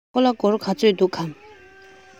ཁོ ལ སྒོར ག ཚོད འདུག གམ